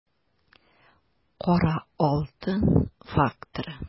Кара алтын факторы